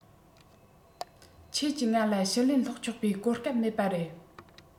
ཁྱེད ཀྱིས ང ལ ཞུ ལན བསློགས ཆོག པའི གོ སྐབས མེད པ རེད